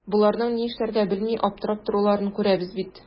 Боларның ни эшләргә белми аптырап торуларын күрәбез бит.